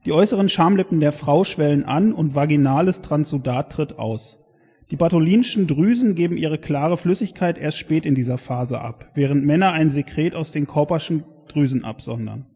äußeren Schamlippen der Frau schwellen an und vaginales Transsudat tritt aus; die Bartholinschen Drüsen geben ihre klare Flüssigkeit erst spät in dieser Phase ab, während Männer ein Sekret aus den Cowperschen Drüsen absondern